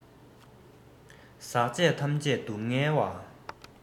ཟག བཅས ཐམས ཅད སྡུག བསྔལ བ